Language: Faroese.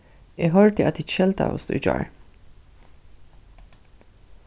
eg hoyrdi at tit skeldaðust í gjár